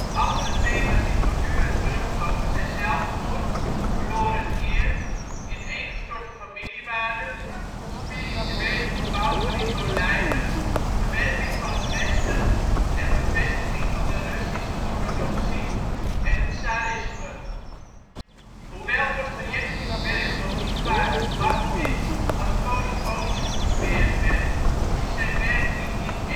Andere thema 's die voortdurend terugkomen zijn zelfmoord, verloren eer, ineengestorte familiewaarden, spirituele verpaupering door lijden, verwerping van het Westen en bevestiging van de Russische Orthodoxie en het Tsarisme. Hoewel Dostojevski 's werk door Michail Bachtin als polyfonisch getypeerd werd, is zijn werk niet in